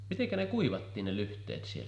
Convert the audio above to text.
miten ne kuivattiin ne lyhteet siellä